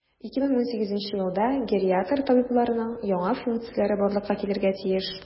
2018 елда гериатр табибларның яңа функцияләре барлыкка килергә тиеш.